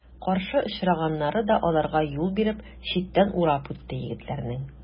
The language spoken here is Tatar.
Каршы очраганнары да аларга юл биреп, читтән урап үтте егетләрнең.